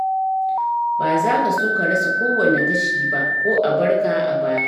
Ba za ka so ka rasa kowane kashi ba ko a bar ka a baya.